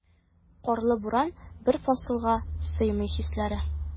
Карлы буран, бер фасылга сыймый хисләре.